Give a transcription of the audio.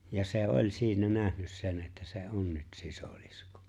ja se oli siinä nähnyt sen että se on nyt sisilisko